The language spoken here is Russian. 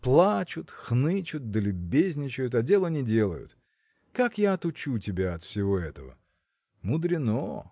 Плачут, хнычут да любезничают, а дела не делают. как я отучу тебя от всего этого? – мудрено!